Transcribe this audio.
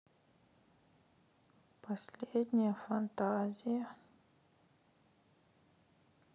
последняя фантазия